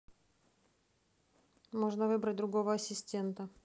можно выбрать другого ассистента